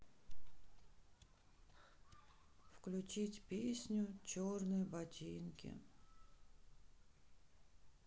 включить песню черные ботинки